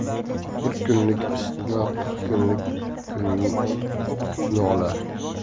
bir kunlik isitma qirq kunlik kuchni olar